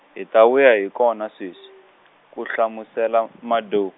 hi ta vuya hi kona sweswi, ku hlamusela Madou.